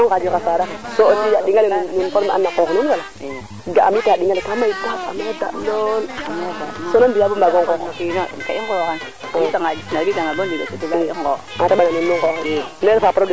ke ando naye keke nu manam keke nu mbita a tosa ke tamit ne jega probleme comme neenu ngota mais kam ga e gan ley bo pare te nanim o leng na nuun oxa gidim na o korum sax